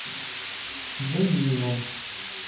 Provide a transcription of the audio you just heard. де ниро